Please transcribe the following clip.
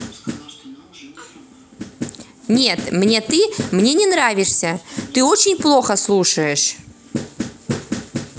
нет мне ты мне не нравишься ты очень плохо слушаешь